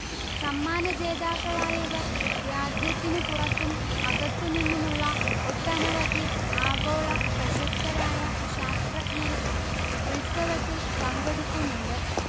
സമ്മാന ജേതാക്കളായവർ രാജ്യത്തിനു പുറത്തും അകത്തു നിന്നുമുള്ള ഒട്ടനവധി ആഗോള പ്രശസ്തരായ ശാസ്ത്രജ്ഞരും ഉത്സവത്തിൽ പങ്കെടുക്കുന്നുണ്ട്